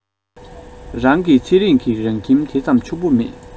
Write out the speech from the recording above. རང གི ཚེ རིང གི རང ཁྱིམ ཕྱུག པོ དེ ཙམ མེད